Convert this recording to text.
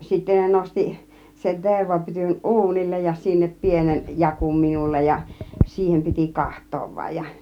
ja sitten ne nosti sen tervapytyn uunille ja sinne pienen jakun minulle ja siihen piti katsoa vain ja